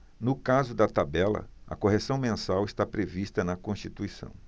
no caso da tabela a correção mensal está prevista na constituição